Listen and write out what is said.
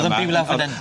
O'dd yn byw law fyn 'yn?